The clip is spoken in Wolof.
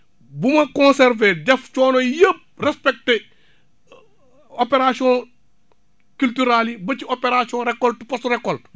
bu ma conserver def coono yëpp respecter opération culturale yiba ci opération récolte post récolte